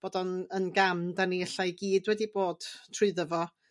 Bod o'n yn gam 'da ni ella i gyd wedi bod trwyddo fo